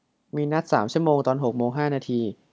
มีนัดสามชั่วโมงตอนหกโมงห้านาที